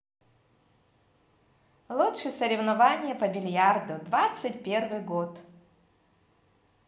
лучше соревнования по бильярду двадцать первый год